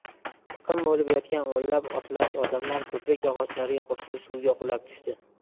tiqin bo'lib yotgan o'nlab otlar odamlar ko'prik yog'ochlariga qo'shilib suvga qulab tushdi